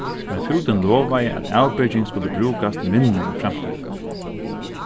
men fútin lovaði at avbyrging skuldi brúkast minni í framtíðini